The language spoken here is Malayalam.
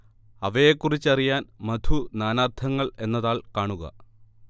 അവയെക്കുറിച്ചറിയാൻ മധു നാനാർത്ഥങ്ങൾ എന്ന താൾ കാണുക